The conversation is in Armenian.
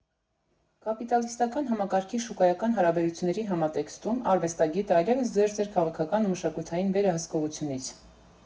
Կապիտալիստական համակարգի շուկայական հարաբերությունների համատեքստում, արվեստագետը այլևս զերծ էր քաղաքական ու մշակութային վերահսկողությունից։